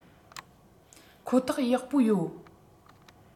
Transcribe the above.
ཁོ ཐག ཡག པོ ཡོད